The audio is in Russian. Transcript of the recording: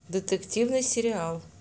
детективный сериал